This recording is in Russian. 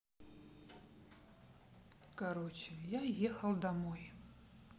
короче я ехал домой